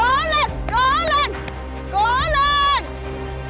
lên cố lên